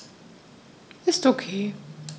Ist OK.